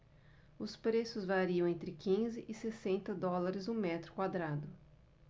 os preços variam entre quinze e sessenta dólares o metro quadrado